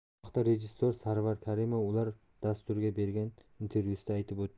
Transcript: bu haqda rejissor sarvar karimov ular dasturiga bergan intervyusida aytib o'tdi